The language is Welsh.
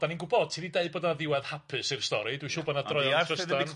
'Dan ni'n gwbod, ti 'di deud bod 'na ddiwadd hapus i'r stori, dwi'n siŵr bod 'na droion